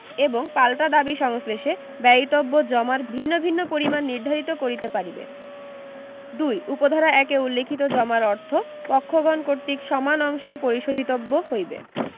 এবং পাল্টা দাবী সংশ্লেষে ব্যয়িতব্য জমার ভিন্ন ভিন্ন পরিমাণ নির্ধারিত করিতে পারিবে ২ উপ ধারা ১ এ উল্লেখিত জমার অর্থ পক্ষগণ কর্তৃক সমান অংশে পরিশোধিতব্য হইবে